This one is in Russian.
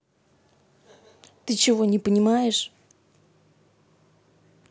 ты ничего не понимаешь